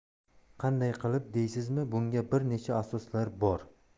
qanday qilib deysizmi bunga bir necha asoslar bor